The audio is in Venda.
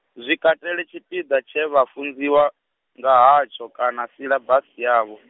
zwikateli tshipiḓa tshe vha funziwa, nga hatsho kana siḽabasi yavho.